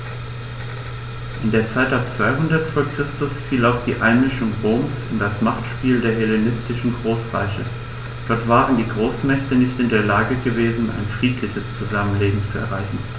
In die Zeit ab 200 v. Chr. fiel auch die Einmischung Roms in das Machtspiel der hellenistischen Großreiche: Dort waren die Großmächte nicht in der Lage gewesen, ein friedliches Zusammenleben zu erreichen.